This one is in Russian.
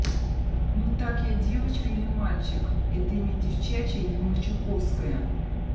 ну так я девочка или мальчик это имя девчачье или мальчиковская